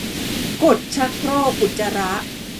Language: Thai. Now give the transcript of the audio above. กดชักโครกอุจจาระ